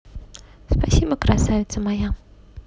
спасибо красавица моя